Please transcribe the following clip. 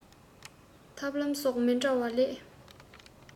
ཐབས ལམ སོགས མི འདྲ བ ལས